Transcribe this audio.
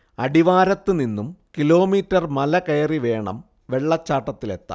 അടിവാരത്ത് നിന്നും കിലോമീറ്റർ മലകയറി വേണം വെള്ളച്ചാട്ടത്തിലെത്താൻ